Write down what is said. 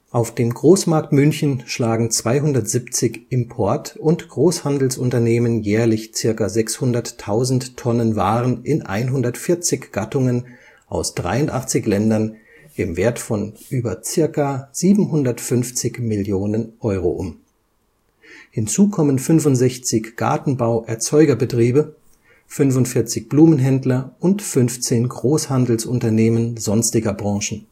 Auf dem Großmarkt München schlagen 270 Import - und Großhandelsunternehmen jährlich ca. 600.000 Tonnen Waren in 140 Gattungen aus 83 Ländern im Wert von über ca. 750 Millionen Euro um. Hinzu kommen 65 Gartenbau-Erzeugerbetriebe, 45 Blumenhändler und 15 Großhandelsunternehmen sonstiger Branchen